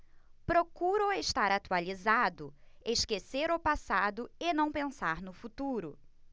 procuro estar atualizado esquecer o passado e não pensar no futuro